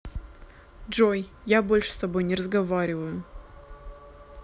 джой я больше с тобой не разговариваю